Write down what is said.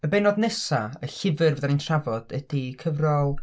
Y bennod nesa y llyfr fydda ni'n trafod ydi cyfrol...